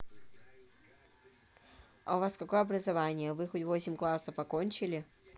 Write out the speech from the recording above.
а у вас какое образование вы хоть восемь классов окончили